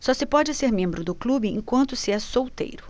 só se pode ser membro do clube enquanto se é solteiro